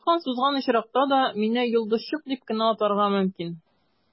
Тарткан-сузган очракта да, мине «йолдызчык» дип кенә атарга мөмкин.